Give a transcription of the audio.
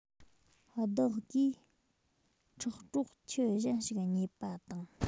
བདག གིས ཁྲག གྲོག ཁྱུ གཞན ཞིག རྙེད པ དང